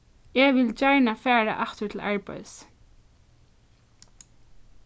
eg vil gjarna fara aftur til arbeiðis